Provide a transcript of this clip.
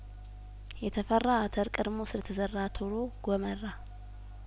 የተፈራ አተር ቀድሞ ስለተዘራ ቶሎ ጐመራ